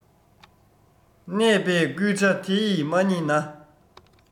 གནས པས བསྐུལ བྱ དེ ཡིས མ རྙེད ན